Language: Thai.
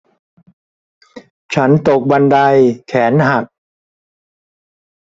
ฉันตกบันไดแขนหัก